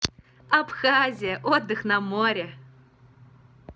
абхазия отдых на море